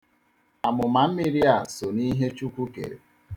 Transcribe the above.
Amụmammiri a so n'ihe Chukwu kere.